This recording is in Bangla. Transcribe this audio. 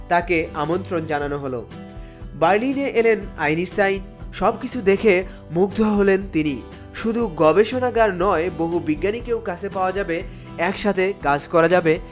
কে আমন্ত্রণ জানানো হলো বার্লিনে এলেন আইনস্টাইন সবকিছু দেখে মুগ্ধ হলেন তিনি শুধু গবেষণাগার নয় বহু বিজ্ঞানীকেও কাছে পাওয়া যাবে একসাথে কাজ করা যাবে